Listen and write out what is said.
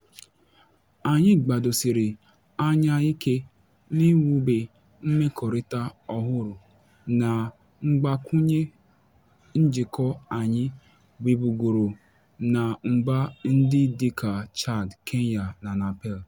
Anyị gbadosiri anya ike n'iwube mmekọrịta ọhụrụ na Mgbakwunye njikọ anyị wubegoro na mba ndị dịka Chad, Kenya na Nepal.